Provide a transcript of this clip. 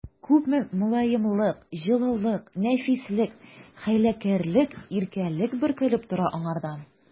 Күпме мөлаемлык, җылылык, нәфислек, хәйләкәрлек, иркәлек бөркелеп тора аңардан!